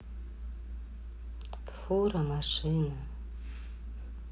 фура машина